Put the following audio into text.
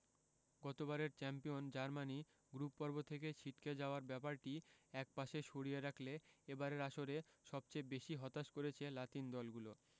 গতবারের চ্যাম্পিয়ন জার্মানির গ্রুপপর্ব থেকে ছিটকে যাওয়ার ব্যাপারটি একপাশে সরিয়ে রাখলে এবারের আসরে সবচেয়ে বেশি হতাশ করেছে লাতিন দলগুলো